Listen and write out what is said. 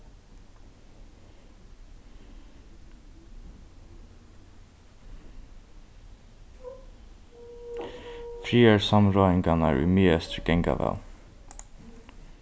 friðarsamráðingarnar í miðeystri ganga væl